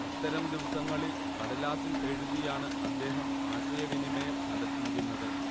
അത്തരം ദിവസങ്ങളിൽ കടലാസിൽ എഴുതിയാണ് അദ്ദേഹം ആശയവിനിമയം നടത്തിയിരുന്നത്